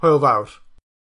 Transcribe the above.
Hwyl fawr.